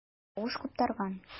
Тавыш куптарган.